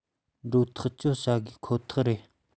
འགྲོ ཐག གཅོད བྱ དགོས ཁོ ཐག རེད